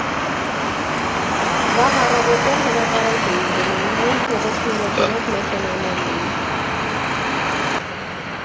Վաղ առավոտյան Հրապարակ էի գնում, միայն փողոցները ջրող մեքենաներն էին։